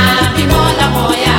aki lamɔya